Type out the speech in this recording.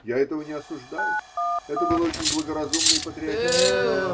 Я этого не осуждаю, это было очень благоразумно и патриотично.